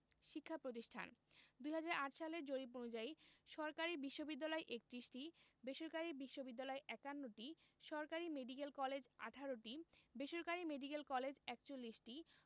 শিক্ষাপ্রতিষ্ঠানঃ ২০০৮ সালের জরিপ অনুযায়ী সরকারি বিশ্ববিদ্যালয় ৩১টি বেসরকারি বিশ্ববিদ্যালয় ৫১টি সরকারি মেডিকেল কলেজ ১৮টি বেসরকারি মেডিকেল কলেজ ৪১টি